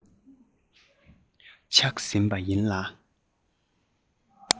ཆགས ཟིན པ ཡིན ལ